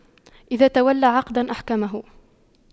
إذا تولى عقداً أحكمه